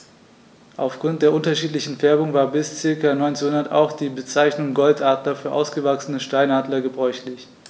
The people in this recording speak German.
Auf Grund der unterschiedlichen Färbung war bis ca. 1900 auch die Bezeichnung Goldadler für ausgewachsene Steinadler gebräuchlich.